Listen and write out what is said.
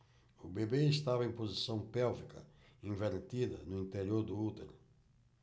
o bebê estava em posição pélvica invertida no interior do útero